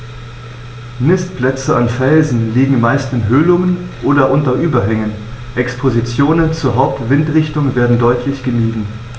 Nistplätze an Felsen liegen meist in Höhlungen oder unter Überhängen, Expositionen zur Hauptwindrichtung werden deutlich gemieden.